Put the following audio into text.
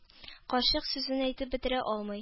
Карчык сүзен әйтеп бетерә алмый.